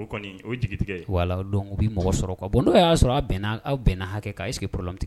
O kɔnni, o jigi tigɛ ye. Voila donc u bɛ mɔgɔ sɔrɔ quoi . Bon n'o y'a sɔrɔ a bɛnna aw bɛnna hakɛ kan est ce que problème t